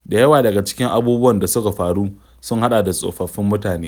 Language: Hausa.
Da yawa daga cikin abubuwan da suka faru sun haɗa da tsofaffin mutane.